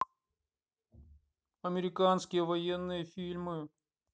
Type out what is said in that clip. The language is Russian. американские военные фильмы